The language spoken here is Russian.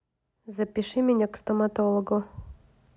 запиши меня к стоматологу